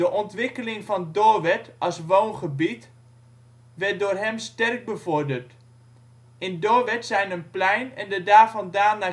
ontwikkeling van Doorwerth als woongebied werd door hem sterk bevorderd. In Doorwerth zijn een plein en de daarvandaan